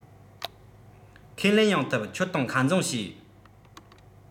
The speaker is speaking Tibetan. ཁས ལེན ཡང ཐུབ ཁྱོད དང ཁ འཛིང བྱས